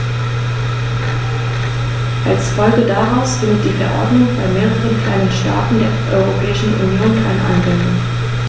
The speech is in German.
Als Folge daraus findet die Verordnung bei mehreren kleinen Staaten der Europäischen Union keine Anwendung.